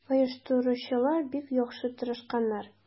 Оештыручылар бик яхшы тырышканнар.